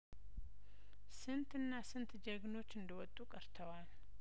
ስንትና ስንት ጀግኖች እንደወጡ ቀርተዋል